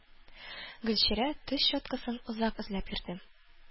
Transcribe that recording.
Гөлчирә теш щеткасын озак эзләп йөрде.